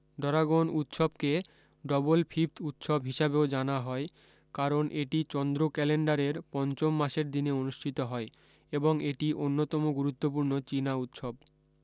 dragon উৎসবকে double fifth উৎসব হিসাবেও জানা হয় কারণ এটি চন্দ্র ক্যালেন্ডারের পঞ্চম মাসের দিনে অনুষ্ঠিত হয় এবং এটি অন্যতম গুরুত্বপূর্ণ চীনা উৎসব